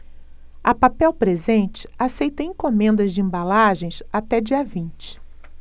a papel presente aceita encomendas de embalagens até dia vinte